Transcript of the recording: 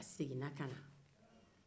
a seginna ka na